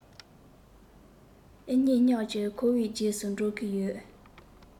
ཨེ རྙེད སྙམ གྱིན ཁོ འི རྗེས སུ འགྲོ གི ཡོད